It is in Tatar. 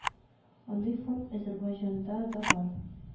Андый фонд азәрбайҗанда да бар